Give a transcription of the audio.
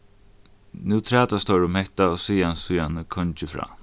nú trætast teir um hetta og siga síðani kongi frá